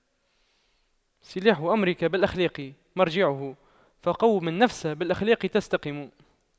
صلاح أمرك بالأخلاق مرجعه فَقَوِّم النفس بالأخلاق تستقم